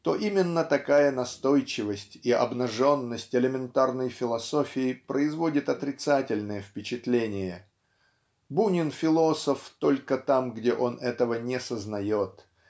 то именно такая настойчивость и обнаженность элементарной философии производит отрицательное впечатление. Бунин философ только там где он этого не сознает